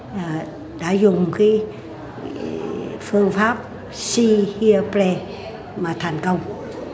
đã dùng khi phương pháp xi hia le mà thành công